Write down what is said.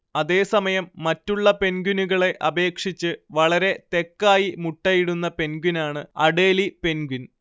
അതേസമയം മറ്റുള്ള പെൻഗ്വിനുകളെ അപേക്ഷിച്ച് വളരെ തെക്കായി മുട്ടയിടുന്ന പെൻഗ്വിനാണ് അഡേലി പെൻഗ്വിൻ